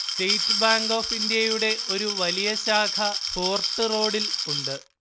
state Bank of ഇന്ത്യയുടെ ഒരു വലിയ ശാഖ ഫോര്ട്ട് റോഡില്‍ ഉണ്ട്